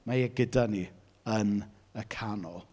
Mae e gyda ni yn y canol.